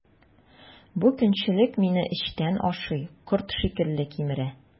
Бу көнчелек мине эчтән ашый, корт шикелле кимерә.